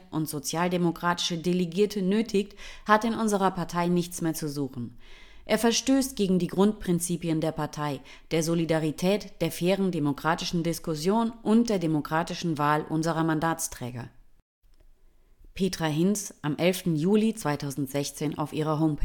sozialdemokratische Delegierte nötigt, hat in unserer Partei nichts mehr zu suchen. Er verstößt gegen die Grundprinzipien der Partei, der Solidarität, der fairen demokratischen Diskussion und der demokratischen Wahl unserer Mandatsträger. “– Petra Hinz am 11. Juli 2016 auf ihrer